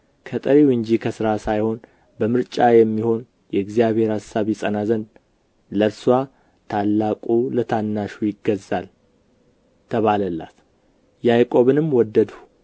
ከጠሪው እንጂ ከሥራ ሳይሆን በምርጫ የሚሆን የእግዚአብሔር አሳብ ይጸና ዘንድ ለእርስዋ ታላቁ ለታናሹ ይገዛል ተባለላት ያዕቆብን ወደድሁ